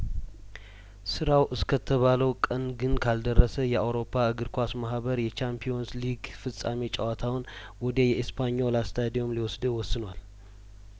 ስራው እስከተባለው ቀን ግን ካልደረሰ የአውሮፓ እግር ኳስ ማህበር የቻምፒየንስ ሊግ ፍጻሜ ጨዋታውን ወደ የኤስፓኞላ ስታዲየም ሊወስደው ወስኗል